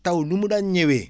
taw nu mu daan ñëwee